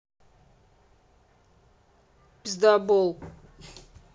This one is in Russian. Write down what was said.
пиздабол